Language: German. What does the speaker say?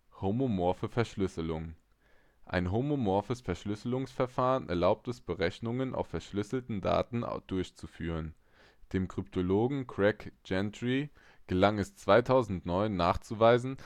Homomorphe Verschlüsselung: Ein homomorphes Verschlüsselungsverfahren erlaubt es, Berechnungen auf verschlüsselten Daten durchzuführen. Dem Kryptologen Craig Gentry gelang es 2009 nachzuweisen